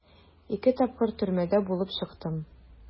Ике тапкыр төрмәдә булып чыктым.